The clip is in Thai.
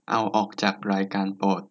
เอาออกจากรายการโปรด